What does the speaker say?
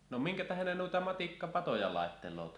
no minkä tähden ne noita matikkapatoja laittelevat